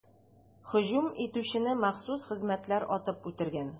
Һөҗүм итүчене махсус хезмәтләр атып үтергән.